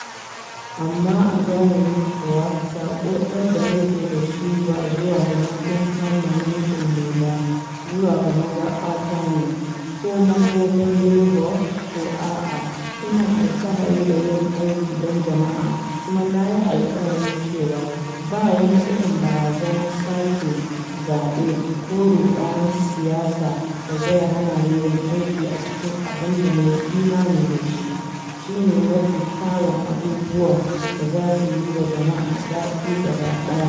Amma a zahiri kuwa saƙo ɗaya da nake da shi ba zuwa ga Nottingham Momentum ne ba, zuwa ga mazaɓata ne, ko mambobin Labour ko a’a: Ina alfahari da yin aiki don jama’a kuma na yi alkawari cewa ba wani irin barazana sake zaɓe ko ruɗanin siyasa da zai hana ni yin aiki a cikin abin da na yi imani da shi shi ne mafi kyawun abubuwan da za su yi wa jama’a dadi gaba ɗaya.